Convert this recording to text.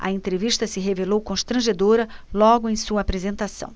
a entrevista se revelou constrangedora logo em sua apresentação